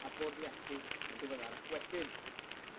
a Bwrdd Iechyd yn ddiweddarach wedyn.